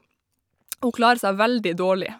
Og hun klarer seg veldig dårlig.